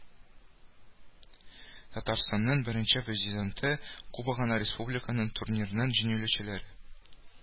Татарстаның Беренче Президенты Кубогына республика турнирының җиңүчеләре: